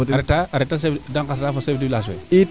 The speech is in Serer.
a retaa de ngs ra fo chef du village fe